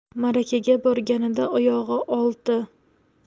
marakaga borganida oyog'i olti